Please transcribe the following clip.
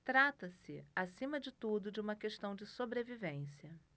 trata-se acima de tudo de uma questão de sobrevivência